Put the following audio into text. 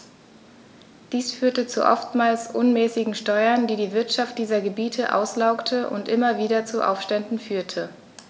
Dies führte zu oftmals unmäßigen Steuern, die die Wirtschaft dieser Gebiete auslaugte und immer wieder zu Aufständen führte.